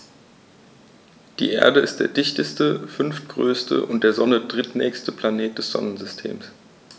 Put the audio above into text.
Die Erde ist der dichteste, fünftgrößte und der Sonne drittnächste Planet des Sonnensystems.